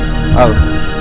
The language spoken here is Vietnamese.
ừ